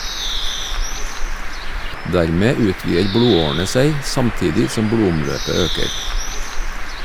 Dermed utvider blodårene seg, samtidig som blodomløpet øker.